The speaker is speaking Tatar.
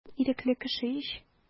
Мин ирекле кеше ич.